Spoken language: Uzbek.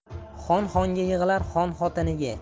xon xonga yig'lar xon xotiniga